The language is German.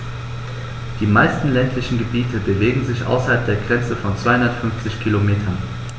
Die meisten ländlichen Gebiete bewegen sich außerhalb der Grenze von 250 Kilometern.